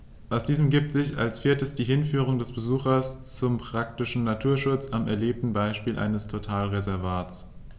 Aus diesen ergibt sich als viertes die Hinführung des Besuchers zum praktischen Naturschutz am erlebten Beispiel eines Totalreservats.